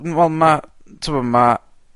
wel ma', t'mo' ma'